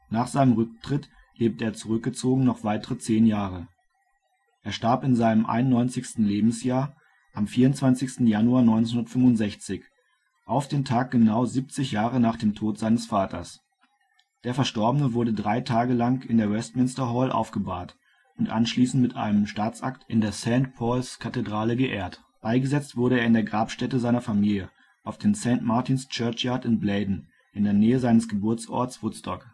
Nach seinem Rücktritt lebte er zurückgezogen noch weitere 10 Jahre. Er starb in seinem 91. Lebensjahr am 24. Januar 1965 - auf den Tag genau 70 Jahre nach dem Tod seines Vaters. Der Verstorbene wurde drei Tage lang in der Westminster Hall aufgebahrt und anschließend mit einem Staatsakt in der St. Paul 's Kathedrale geehrt. Beigesetzt wurde er in der Grabstätte seiner Familie auf dem Saint Martin 's Churchyard in Bladon in der Nähe seines Geburtsorts Woodstock